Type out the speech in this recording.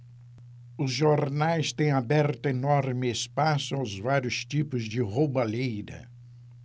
os jornais têm aberto enorme espaço aos vários tipos de roubalheira